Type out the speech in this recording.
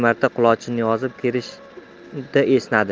marta qulochini yozib kerishdi esnadi